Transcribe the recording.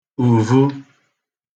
ùvu